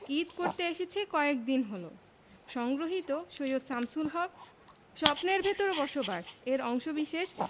ঈদ করতে এসেছে কয়েকদিন হলো সংগৃহীত সৈয়দ শামসুল হক স্বপ্নের ভেতরে বসবাস এর অংশবিশেষ